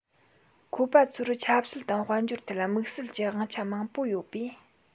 ཁོ པ ཚོར ཆབ སྲིད དང དཔལ འབྱོར ཐད དམིགས བསལ གྱི དབང ཆ མང པོ ཡོད པས